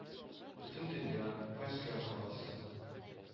Бөтен дөнья, Мәскәү каласы